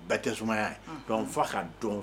Da tɛ sumaya yen donc f'a ka don